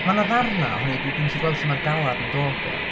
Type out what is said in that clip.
Ma' na ddarna ohoni dwi'n gallu gweld lle mae'r galar yn dod o.